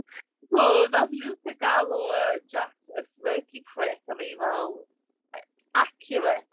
Do wnaeth Luca galw yy Jax a smirky prick a o'n ni fel accurate.